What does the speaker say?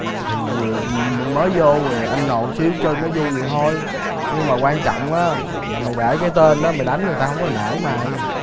thì ờm mới mới dô rồi anh nầu xíu cho nó vui vậy hôi nhưng mà quan trọng á là mày để cái tên đó mày đánh người ta không có nể mày